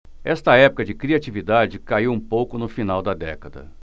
esta época de criatividade caiu um pouco no final da década